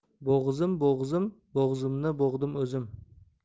bo'g'izim bo'g'izim bo'g'izimni bo'g'dim o'zim